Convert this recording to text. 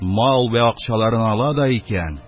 Мал вә акчаларын ала да икән,